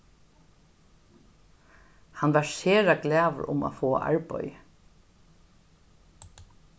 hann var sera glaður um at fáa arbeiðið